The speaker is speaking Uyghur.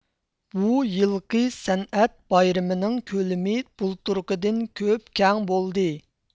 بۇ يىلقى سەنئەت بايرىمىنىڭ كۆلىمى بۇلتۇرقىدىن كۆپ كەڭ بولدى